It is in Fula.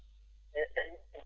eyyi *